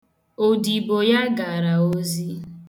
Odibo ya gara ozi.